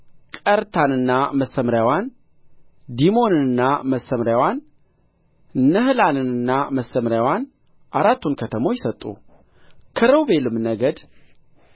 ቀርታንና መሰምርያዋን ዲሞናንና መሰምርያዋን ነህላልንና መሰምርያዋን አራቱን ከተሞች ሰጡ ከሮቤልም ነገድ